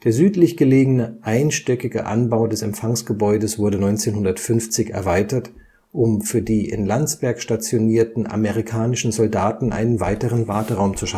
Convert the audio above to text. südlich gelegene einstöckige Anbau des Empfangsgebäudes wurde 1950 erweitert, um für die in Landsberg stationierten amerikanischen Soldaten einen weiteren Warteraum